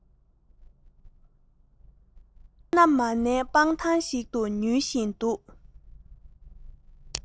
ལོ ངོ གཅིག རིང གི སྤྱི ཚོགས འཚོ བའི ཁྲོད